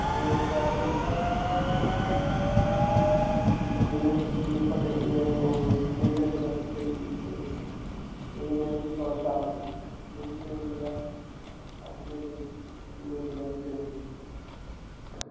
Li mom aye pengou la amb nyetti pengou la noung ko tek ci gaw tabol bi